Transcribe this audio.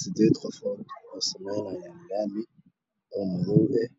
Sideed qof oo sameenaayo laami oo madow eh